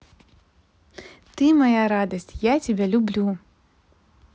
ты моя радость я тебя люблю